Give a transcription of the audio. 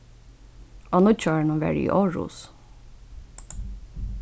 og á nýggjárinum var eg í aarhus